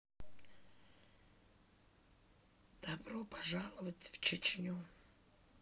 добро пожаловать в чечню